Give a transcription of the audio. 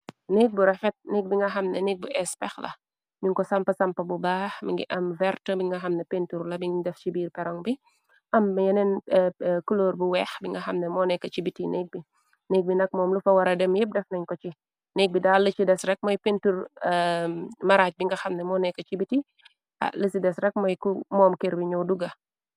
Nek bu refet nek bi nga xamne nek bu eespek la ñun ko samp samp bu baax. Mingi am vert bi nga xamna pintur la bin def ci biir peroŋg bi am yeneen kuloor bu weex. Bi nga xamne mooneka ci biti neg bi neg bi nak moom lu fa wara dem yépp def nañ ko ci neg bi dall. Ci des rek mooy pintur maraaj bi nga xamne mooneko ci biti la ci des rek mooy moom kër bi ñoo duga.